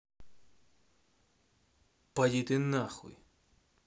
поди ты нахуй